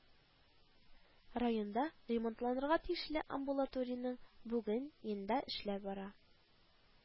Районда ремонтланырга тиешле амбулаторийның бүген ендә эшләр бара